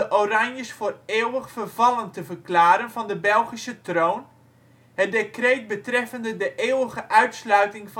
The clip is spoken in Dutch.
Oranjes voor eeuwig vervallen te verklaren van de Belgische troon, het decreet betreffende de eeuwige uitsluiting